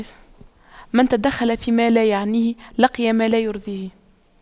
من تَدَخَّلَ فيما لا يعنيه لقي ما لا يرضيه